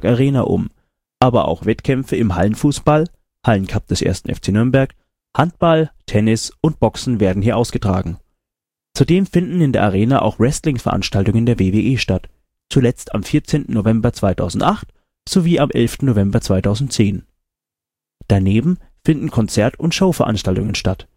Arena um, aber auch Wettkämpfe im Hallenfußball (Hallencup des 1. FC Nürnberg), Handball, Tennis und Boxen werden hier ausgetragen. Zudem finden in der Arena auch Wrestling-Veranstaltungen der WWE statt, zuletzt am 14. November 2008 sowie am 11. November 2010. Daneben finden Konzert - und Showveranstaltungen statt